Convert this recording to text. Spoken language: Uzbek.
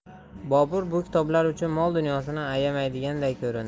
bobur bu kitoblar uchun mol dunyosini ayamaydiganday ko'rindi